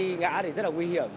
cấy gã này rất là nguy hiểm